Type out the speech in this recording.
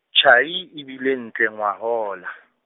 tjhai, e bile ntle ngwahola.